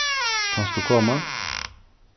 kanst tú koma